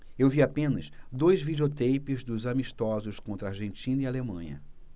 eu vi apenas dois videoteipes dos amistosos contra argentina e alemanha